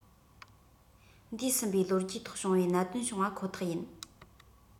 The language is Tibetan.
འདས ཟིན པའི ལོ རྒྱུས ཐོག བྱུང བའི གནད དོན བྱུང བ ཁོ ཐག ཡིན